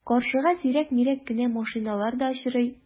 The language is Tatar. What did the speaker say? Каршыга сирәк-мирәк кенә машиналар да очрый.